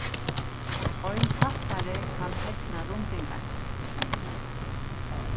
ein passari kann tekna rundingar